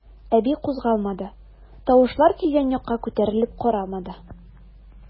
Әби кузгалмады, тавышлар килгән якка күтәрелеп карамады.